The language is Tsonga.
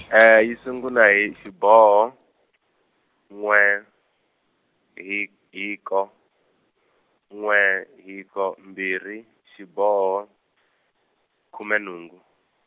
e yi sungula hi xiboho n'we hi hiko, n'we hiko mbirhi xiboho, khume nhungu.